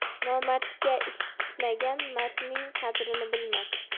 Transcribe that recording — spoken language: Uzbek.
nomardga ishi tushmagan mardning qadrini bilmas